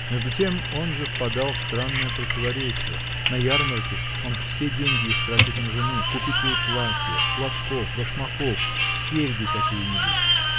Между тем он же впадал в странное противоречие: на ярмарке он все деньги истратит на жену, купит ей платье, платков, башмаков, серьги какие-нибудь.